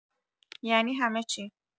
ینی همه چی